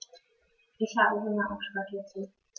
Ich habe Hunger auf Spaghetti.